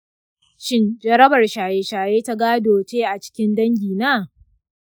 shin jarabar shaye-shaye ta gado ce a cikin dangina?